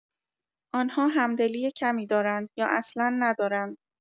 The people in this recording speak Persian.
آن‌ها همدلی کمی دارند یا اصلا ندارند.